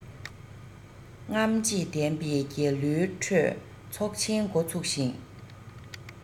རྔམ བརྗིད ལྡན པའི རྒྱལ གླུའི ཁྲོད ཚོགས ཆེན འགོ ཚུགས ཤིང